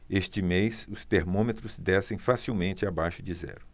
este mês os termômetros descem facilmente abaixo de zero